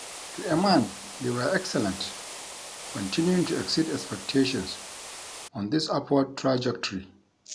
To a man, they were excellent, continuing to exceed expectations on this upward trajectory.